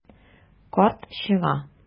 Карт чыга.